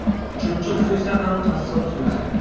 chumchuq so'ysa ham qassob so'ysin